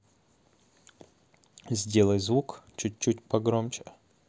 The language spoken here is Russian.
сделай звук чуть чуть громче